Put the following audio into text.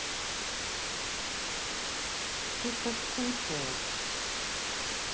ты соскучилась